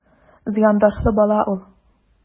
Зыяндашлы бала ул...